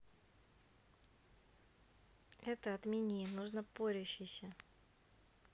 это отмени нужно порющийся